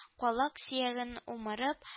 Калак сөяген умырып